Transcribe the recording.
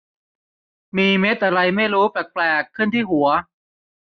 มีเม็ดอะไรไม่รู้แปลกแปลกขึ้นที่หัว